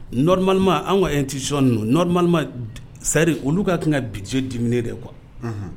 Nmama an ka etition nmalima seri olu ka kan ka bij dimi de kuwa